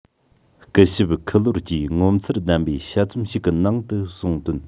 སྐུ ཞབས ཁི ལོར གྱིས ངོ མཚར ལྡན པའི དཔྱད རྩོམ ཞིག གི ནང དུ གསུངས དོན